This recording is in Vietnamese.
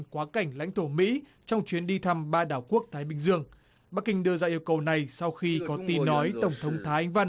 quá cảnh lãnh thổ mỹ trong chuyến đi thăm ba đảo quốc thái bình dương bắc kinh đưa ra yêu cầu này sau khi có tin nói tổng thống thái anh văn